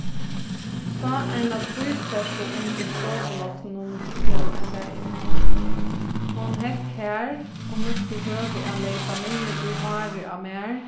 sá eina tvístertu undir stovuloftinum nú ein dagin hon hekk har og nýtti høvi at leypa niður í hárið á mær